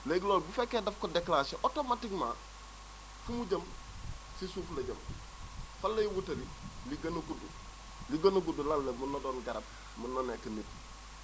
léegi loolu bu fekkee daf ko déclenché automatiquement fu mu jëm si suuf la jëm fan lay wutali li gën a gudd li gën a gudd lan la mën na doon garab mën na nekk nit